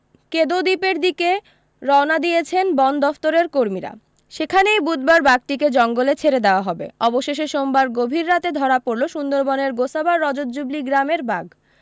কেঁদো দ্বীপের দিকে রওনা দিয়েছেন বন দফতরের কর্মীরা সেখানেই বুধবার বাঘটিকে জঙ্গলে ছেড়ে দেওয়া হবে অবশেষে সোমবার গভীর রাতে ধরা পড়লো সুন্দরবনের গোসাবার রজতজুবলি গ্রামের বাঘ